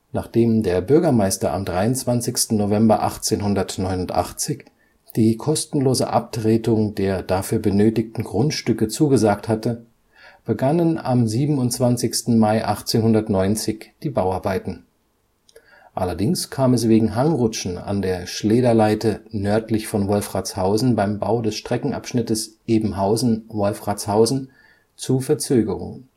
Nachdem der Bürgermeister am 23. November 1889 die kostenlose Abtretung der dafür benötigten Grundstücke zugesagt hatte, begannen am 27. Mai 1890 die Bauarbeiten. Allerdings kam es wegen Hangrutschen an der Schlederleite nördlich von Wolfratshausen beim Bau des Streckenabschnittes Ebenhausen – Wolfratshausen zu Verzögerungen